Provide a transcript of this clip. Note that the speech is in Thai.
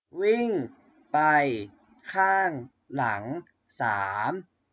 วิ่งไปข้างหลังสาม